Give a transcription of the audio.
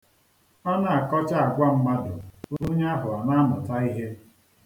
A na-akọcha agwa mmadụ, onye ahụ a na-amụta ihe.